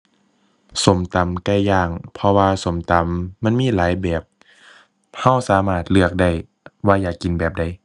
ส้มตำไก่ย่าง เพราะว่าส้มตำมันมีหลายแบบ เราสามารถเลือกได้ว่าอยากกินแบบใด